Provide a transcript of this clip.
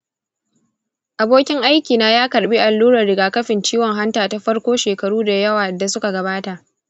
abokin aikina ya karɓi allurar rigakafin ciwon hanta ta farko shekaru da yawa da suka gabata.